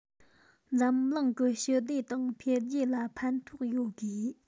འཛམ གླིང གི ཞི བདེ དང འཕེལ རྒྱས ལ ཕན ཐོགས ཡོད དགོས